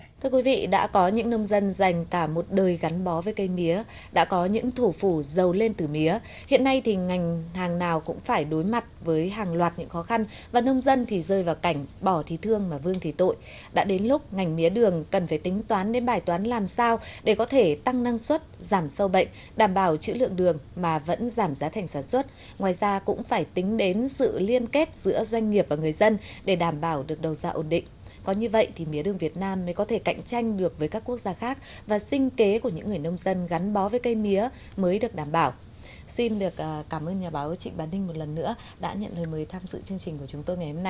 thưa quý vị đã có những nông dân dành cả một đời gắn bó với cây mía đã có những thủ phủ dầu lên từ mía hiện nay thì ngành hàng nào cũng phải đối mặt với hàng loạt những khó khăn và nông dân thì rơi vào cảnh bỏ thì thương mà vương thì tội đã đến lúc ngành mía đường cần phải tính toán đến bài toán làm sao để có thể tăng năng suất giảm sâu bệnh đảm bảo trữ lượng đường mà vẫn giảm giá thành sản xuất ngoài ra cũng phải tính đến sự liên kết giữa doanh nghiệp và người dân để đảm bảo được đầu ra ổn định có như vậy thì mía đường việt nam mới có thể cạnh tranh được với các quốc gia khác và sinh kế của những người nông dân gắn bó với cây mía mới được đảm bảo xin được cảm ơn nhà báo trịnh bá ninh một lần nữa đã nhận lời mời tham dự chương trình của chúng tôi ngày hôm